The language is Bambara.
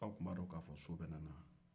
aw tun b'a dɔn k'a fo so bɛ ne wa